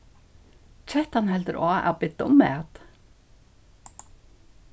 kettan heldur á at bidda um mat